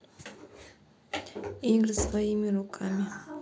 игры своими руками